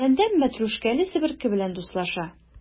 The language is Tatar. Гөләндәм мәтрүшкәле себерке белән дуслаша.